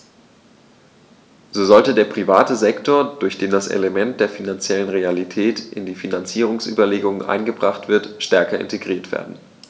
So sollte der private Sektor, durch den das Element der finanziellen Realität in die Finanzierungsüberlegungen eingebracht wird, stärker integriert werden.